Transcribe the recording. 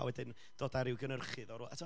A wedyn dod â ryw gynhyrchydd o rywle, a tibod